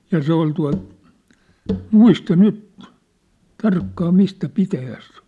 ja se oli tuolta muista nyt tarkkaan mistä pitäjästä se oli